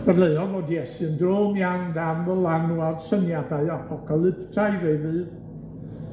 Dadleuodd fod Iesu'n drwm iawn dan ddylanwad syniadau apocalyptaidd ei ddydd.